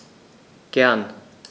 Gern.